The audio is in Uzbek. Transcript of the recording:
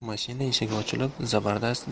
mashina eshigi ochilib zabardast